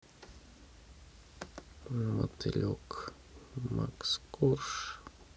мотылек макс корж